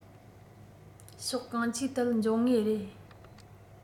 ཕྱོགས གང ཅིའི ཐད འབྱུང ངེས རེད